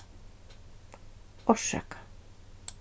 orsaka